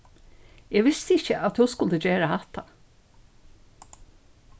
eg visti ikki at tú skuldi gera hatta